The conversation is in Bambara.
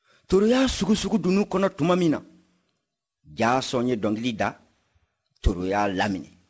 toro y'a sugusugu dunun kɔnɔ tuma min na jaason ye dɔnkili da toro y'a laminɛ